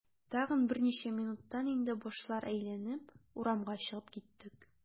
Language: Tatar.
Тагын берничә минуттан инде башлар әйләнеп, урамга чыгып киттек.